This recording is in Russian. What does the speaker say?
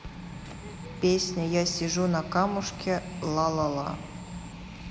песня я сижу на камушке ла ла ла